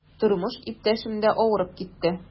Тормыш иптәшем дә авырып китте.